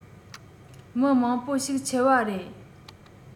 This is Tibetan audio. མི མང པོ ཞིག འཆི བ རེད